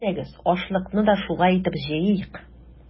Әйдәгез, ашлыкны да шулай итеп җыйыйк!